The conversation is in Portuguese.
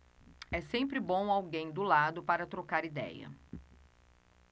é sempre bom alguém do lado para trocar idéia